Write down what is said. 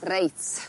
Reit